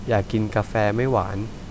อยากกินกาแฟไม่หวาน